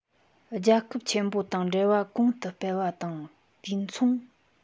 རྒྱལ ཁབ ཆེན པོ དང འབྲེལ བ གོང དུ སྤེལ བ དང དུས མཚུངས